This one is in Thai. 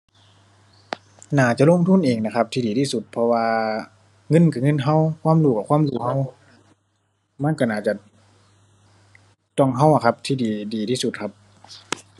น่าจะลงทุนเองนะครับที่ดีที่สุด เพราะว่าเงินก็เงินก็ ความรู้ก็ความรู้ก็ มันก็น่าจะต้องก็อะครับที่ดี ดีที่สุดครับ